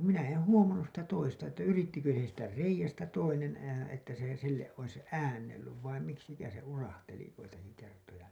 minä en huomannut sitä toista että yrittikö siitä reiästä toinen että se sille olisi äännellyt vai miksikähän se urahteli joitakin kertoja